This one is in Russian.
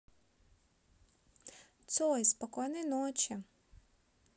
цой спокойной ночи